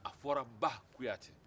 a fɔra ba kuyatɛ